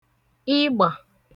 ịgbà